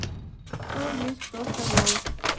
кто есть кто сказал